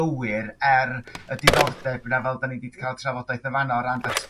gywir er y diddordeb 'na fel 'da ni 'di cael trafodaeth yn fana o ran